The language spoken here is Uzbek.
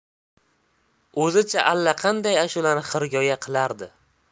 o'zicha allaqanday ashulani xirgoyi qilardi